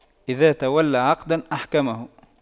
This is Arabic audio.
إذا تولى عقداً أحكمه